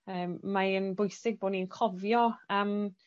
Yym mae e'n bwysig bo' ni'n cofio am